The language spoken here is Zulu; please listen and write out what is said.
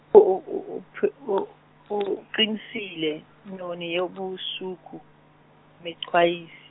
up- u- uqinisile, nyoni yobusuku, Mexwayisi.